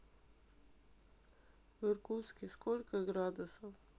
в иркутске сколько градусов